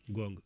gonga